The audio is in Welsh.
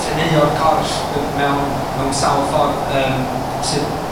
teneuo'r corff yy mewn mewn sawl ffordd yym sydd